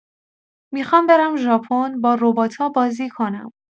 می‌خوام برم ژاپن، با رباتا بازی کنم!